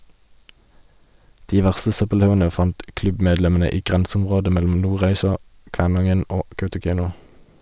De verste søppelhaugene fant klubbmedlemmene i grenseområdet mellom Nordreisa, Kvænangen og Kautokeino.